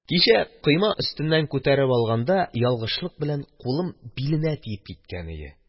Кичә, койма өстеннән күтәреп алганда, ялгышлык белән кулым биленә тиеп киткән иде,